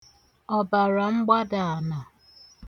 ọ̀bàràmgbadàànà